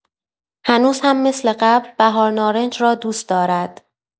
هنوز هم مثل قبل بهارنارنج را دوست دارد.